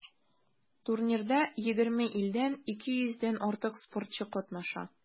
Турнирда 20 илдән 200 дән артык спортчы катнаша.